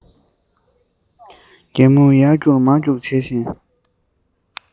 རྒད མོ ཡར རྒྱུག མར རྒྱུག བྱེད བཞིན